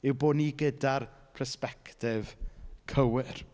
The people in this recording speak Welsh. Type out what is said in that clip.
Yw bo' ni gyda'r persbectif cywir.